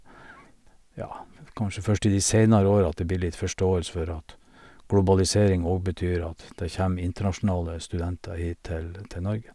Ja, kanskje først i de seinere år at det blir litt forståelse for at globalisering óg betyr at det kjem internasjonale studenter hit til til Norge.